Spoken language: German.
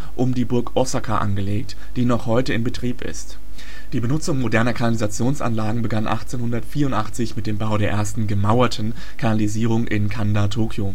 angelegt, die noch heute in Betrieb ist. Die Benutzung moderner Kanalisationsanlagen begann 1884 mit dem Bau der ersten gemauerten Kanalisierung in Kanda, Tokio